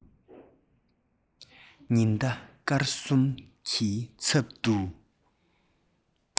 ཉི ཟླ སྐར གསུམ གྱི ཚབ ཏུ